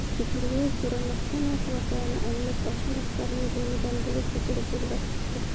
bekmirzaev so'ramasdanoq voqeani anglab oshiq rahbarning bo'ynidan bo'g'ib ko'chaga sudrab chiqadi